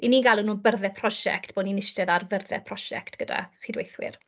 'Y ni'n galw nhw'n byrddau prosiect, bod ni'n istedd ar fyrdde prosiect gyda chydweithwyr.